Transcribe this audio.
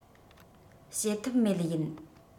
བྱེད ཐབས མེད ཡིན